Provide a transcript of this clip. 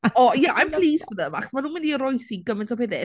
O, yeah I'm pleased for them achos maen nhw'n mynd i oroesi gymaint o pethau...